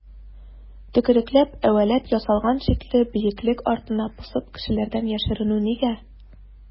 Төкерекләп-әвәләп ясалган шикле бөеклек артына посып кешеләрдән яшеренү нигә?